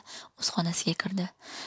o 'z xonasiga kirdi